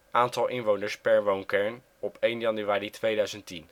Aantal inwoners per woonkern op 1 januari 2010